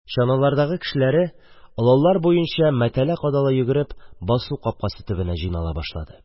Чаналардагы кешеләр олау буенча мәтәлә-кадала йөгереп басу капкасы төбенә җыйнала башлады.